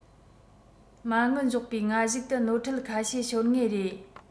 མ དངུལ འཇོག པའི སྔ གཞུག ཏུ ནོར འཁྲུལ ཁ ཤས ཤོར ངེས རེད